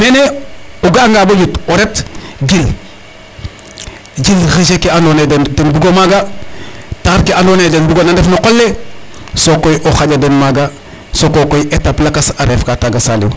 Neene o nga'anga bo ƴut ret jil, jil rejets ke andoona yee den bugo maaga taxar ke andoona yee den bugo da ndef no qol le sokoy o xaƴa den maago soko koy étape lakas a reefka taaga Saliou.